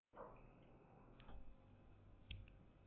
བདག ལ ཁོང ཁྲོ སློང བ